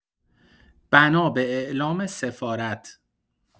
بنا به اعلام سفارت